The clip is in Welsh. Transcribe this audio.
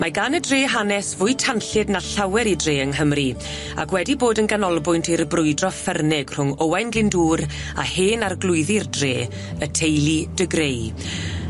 Mae gan y dre hanes fwy tanllyd na llawer i dre yng Nghymru ac wedi bod yn ganolbwynt i'r brwydro ffyrnig rhwng Owain Glyndŵr a hen arglwyddi'r dre, y teulu de Grey.